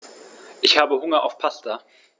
Ich habe Hunger auf Pasta.